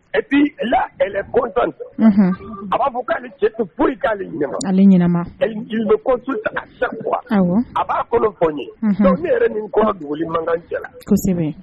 Epi labon a b'a fɔ k'ale cɛ foyi k'ale ɲɛna ɲɛnama e ko sa a b'a kolon fɔ ye ne yɛrɛ ni ko mankan cɛla